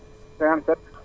57